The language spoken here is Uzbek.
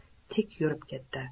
tik yurib ketdi